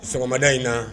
So sɔgɔmada in na